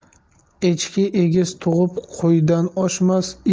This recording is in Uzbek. echki egiz tug'ib qo'ydan oshmas